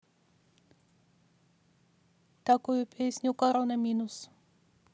такую песню корона минус